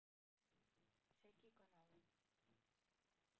всякие каналы